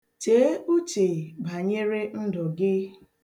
Chee uche banyere ndụ gị.